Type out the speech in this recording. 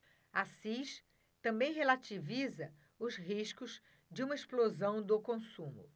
assis também relativiza os riscos de uma explosão do consumo